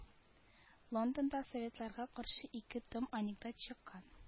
Лондонда советларга каршы ике том анекдот чыккан